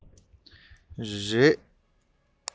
རེད